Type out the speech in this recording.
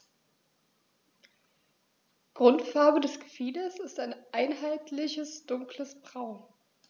Grundfarbe des Gefieders ist ein einheitliches dunkles Braun.